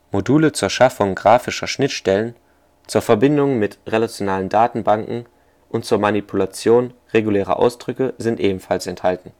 Module zur Schaffung grafischer Schnittstellen, zur Verbindung mit relationalen Datenbanken und zur Manipulation regulärer Ausdrücke sind ebenfalls enthalten